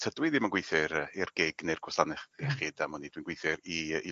tydw i ddim yn gweithio i'r yy i'r *GIG neu'r gwasaneth iechyd am wn i dwi'n gweithio i yy i...